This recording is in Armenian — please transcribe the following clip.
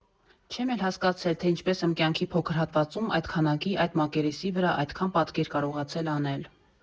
Չեմ էլ հասկացել, թե ինչպես եմ կյանքի փոքր հատվածում այդ քանակի, այդ մակերեսի վրա, այդքան պատկեր կարողացել անել։